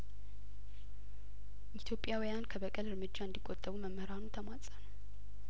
ኢትዮጵያውያን ከበቀል እርምጃ እንዲ ቆጠቡ መምህራኑ ተማጸኑ